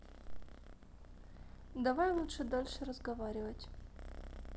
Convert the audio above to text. давай лучше дальше разговаривать